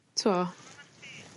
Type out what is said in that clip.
T'mo'?